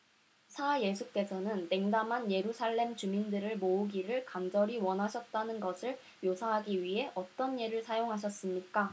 사 예수께서는 냉담한 예루살렘 주민들을 모으기를 간절히 원하셨다는 것을 묘사하기 위해 어떤 예를 사용하셨습니까